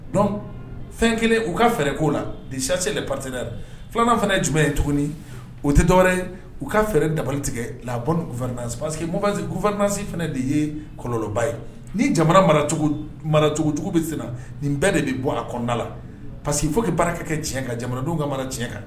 Don fɛn kelen u ka fɛɛrɛ ko la de sasi la pasida la filanan fana jumɛn ye tuguni o tɛ dɔwɛrɛ ye u ka fɛɛrɛ dabali tigɛ la vansi pa que v2ansi fana de ye kɔlɔlɔba ye ni jamana maracogocogo bɛ se nin bɛɛ de bɛ bɔ a kɔnɔnada la pa que fo ka baarake kɛ tiɲɛ kan jamanadenw ka mana tiɲɛ kan